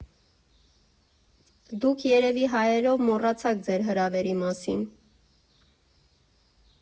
Դուք երևի հայերով մոռացաք ձեր հրավերի մասին։